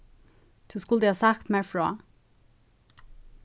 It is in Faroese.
tú skuldi havt sagt mær frá